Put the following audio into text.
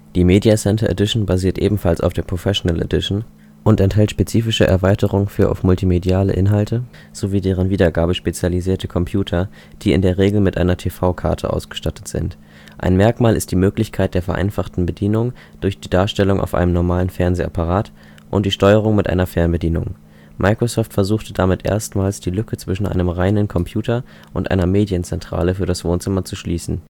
Die Media Center Edition basiert ebenfalls auf der „ Professional Edition “und enthält spezifische Erweiterungen für auf multimediale Inhalte sowie deren Wiedergabe spezialisierte Computer, die in der Regel mit einer TV-Karte ausgestattet sind. Ein Merkmal ist die Möglichkeit der vereinfachten Bedienung durch die Darstellung auf einem normalen Fernsehapparat und die Steuerung mit einer Fernbedienung. Microsoft versuchte damit erstmals, die Lücke zwischen einem reinem Computer und einer Medienzentrale für das Wohnzimmer zu schließen